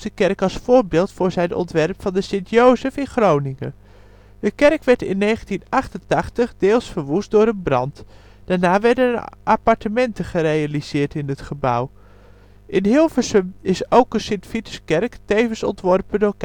kerk als voorbeeld voor zijn ontwerp van de St. Jozef in Groningen. De kerk werd in 1988 deels verwoest door een brand. Daarna werden er appartementen gerealiseerd in het gebouw. In Hilversum is ook een St. Vituskerk, tevens ontworpen door